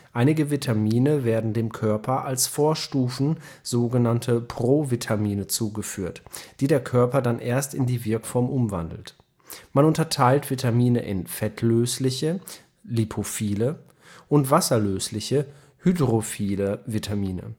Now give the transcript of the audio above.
Einige Vitamine werden dem Körper als Vorstufen, sogenannte Provitamine zugeführt, die der Körper dann erst in die Wirkform umwandelt. Man unterteilt Vitamine in fettlösliche (lipophile) und wasserlösliche (hydrophile) Vitamine